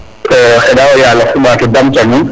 xeɗa o yaloxe ɓato damta nuun